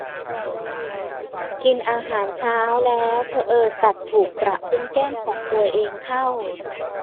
กินอาหารเช้าแล้วเผอิญกัดถูกกระพุ้งแก้มของตัวเองเข้า